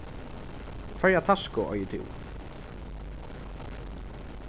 hvørja tasku eigur tú